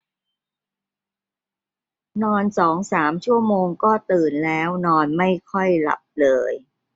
นอนสองสามชั่วโมงก็ตื่นแล้วนอนไม่ค่อยหลับเลย